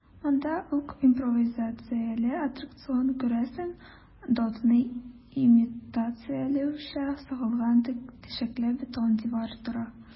Монда ук импровизацияле аттракцион - күрәсең, дотны имитацияләүче сыгылган тишекле бетон дивар тора.